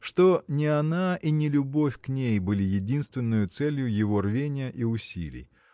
что не она и не любовь к ней были единственною целью его рвения и усилий.